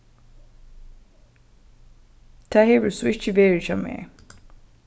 tað hevur so ikki verið hjá mær